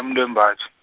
-muntu wembaji.